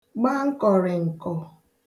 gba nkọ̀rị̀ǹkọ̀